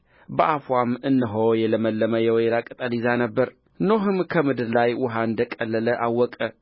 በአፍዋም እነሆ የለመለመ የወይራ ቅጠል ይዛ ነበር ኖኅም ከምድር ላይ ውኃ እንደ ቀለለ አወቀ